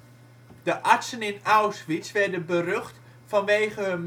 artsen in Auschwitz werden berucht vanwege